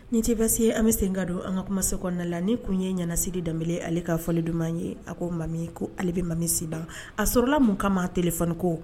Ni tɛep se an bɛ sen ka don an ka kuma se kɔnɔna la ni kun ye ɲɛnaanasiri dab ale ka fɔli duman ɲuman ye a ko mami ko alebi mami sin a sɔrɔlala mun kan maa tfko